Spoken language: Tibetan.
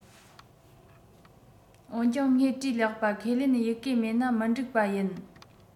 འོན ཀྱང ངས བྲིས ལེགས པ ཁས ལེན ཡི གེ མེད ན མི འགྲིག པ ཡིན